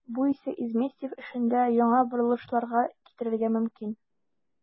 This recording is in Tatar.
Бу исә Изместьев эшендә яңа борылышларга китерергә мөмкин.